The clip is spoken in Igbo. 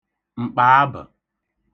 m̀kpàabə̣̀